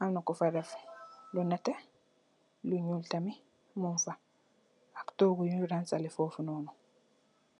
am na ku fa def lu nétté, lu ñuul tamit mung fa, ak toogu yuñg rangsalé foofu noon.